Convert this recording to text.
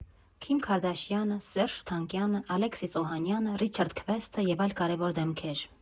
Քիմ Քարդաշյանը, Սերժ Թանկյանը, Ալեքսիս Օհանյանը, Ռիչարդ Քվեսթը և այլ կարևոր դեմքեր։